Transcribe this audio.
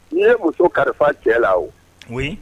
Ne ye muso kalifa cɛ la wu?